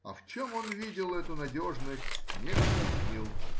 а в чем он видел эту надежность — не объяснил.